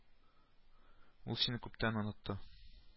Ул сине күптән онытты